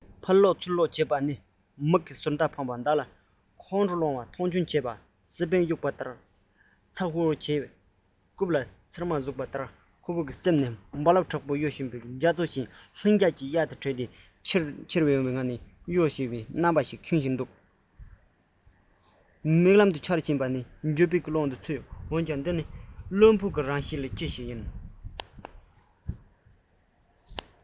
ཕར སློག ཚུར སློག བྱེད པ མིག གི ཟུར མདའ འཕེན པ བདག ལ ཁོང ཁྲོ སློང བ མཐོང ཆུང བྱེད པ སེ པན བྱུགས པ ལྡར ཚ ཤུར ཤུར བྱེད རྐུབ ལ ཚེར མ ཟུག པ ལྟར ཁོ བོའི སེམས ནི རྦ རླབས དྲག པོ གཡོ བའི རྒྱ མཚོ བཞིན ལྷིང འཇགས ཀྱི གཡའ དང བྲལ ཏེ འཁྱར འཁྱོར ངང གཡོ དགའ སྤྲོའི རྣམ པས ཁེངས བཞིན འདུག གླེང མོལ བྱེད པའི སྒྲས གནམ ས ཁེངས ཁོ བོ ནི ལྐུགས པས ལྷ མཐོང བ བཞིན རེ ཞིག ན འདས ཟིན པའི དུས ཚོད ནང སྤྱོད ངན འདྲ མིན སྣ ཚོགས རེ རེ བཞིན མིག ལམ དུ འཆར བཞིན འགྱོད པའི ཀློང དུ ཚུད འོན ཀྱང འདི ནི བླུན པོའི རང གཤིས ལས ཅི